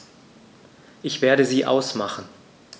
Ich werde sie ausmachen.